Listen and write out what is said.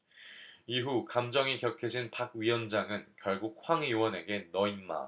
이후 감정이 격해진 박 위원장은 결국 황 의원에게 너 임마